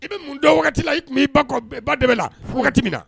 I bɛ mun dɔn wagati la i tun b'i ba kɔ ba de la min na